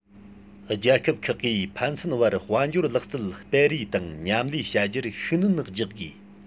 རྒྱལ ཁབ ཁག གིས ཕན ཚུན བར དཔལ འབྱོར ལག རྩལ སྤེལ རེས དང མཉམ ལས བྱ རྒྱུར ཤུགས སྣོན རྒྱག དགོས